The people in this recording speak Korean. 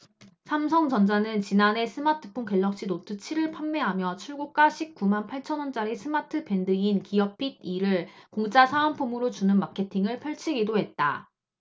삼성전자는 지난해 스마트폰 갤럭시노트 칠 을 판매하며 출고가 십 구 만 팔천 원짜리 스마트밴드인 기어핏 이 를 공짜 사은품으로 주는 마케팅을 펼치기도 했다